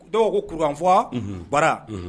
Dɔw ko kurukanfa bara